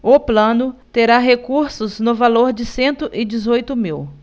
o plano terá recursos no valor de cento e dezoito mil